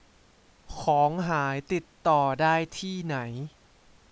ของหายติดต่อได้ที่ไหน